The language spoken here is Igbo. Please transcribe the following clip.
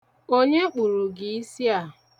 Onye kpụrụ gị isi a?